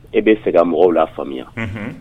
E bɛ fɛ ka mɔgɔw la faamuya